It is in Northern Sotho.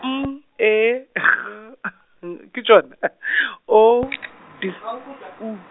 M E G , ke tšona? , O D U.